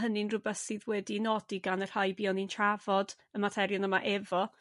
hynny'n rwbeth sydd wedi'i nodi gan y rhai buon ni'n trafod y materion yma efo.